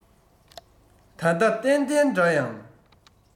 ད ལྟ བརྟན བརྟན འདྲ ཡང